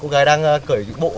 cô gái đang cởi những bộ